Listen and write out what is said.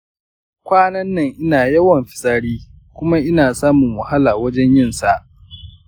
kwanan nan ina yawan fitsari kuma ina samun wahala wajen yin sa.